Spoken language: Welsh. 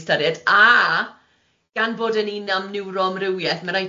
ystyried a gan bod yn un am niwroamrywieth ma' raid ti